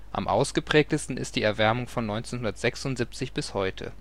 Am ausgeprägtesten ist die Erwärmung von 1976 bis heute